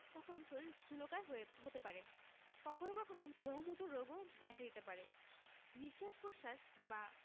তখন শরীর স্থুলকায় হয়ে হতে পারে কখনো কখনো বহুমূত্র রোগও দেখা দিতে পারে নিঃশ্বাস প্রশ্বাস বা